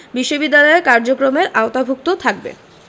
বিশ্ববিদ্যালয়ের কার্যক্রমের আওতাভুক্ত থাকবে